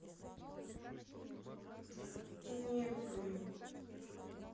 нет блин